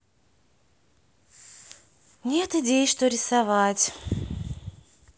нет идей что рисовать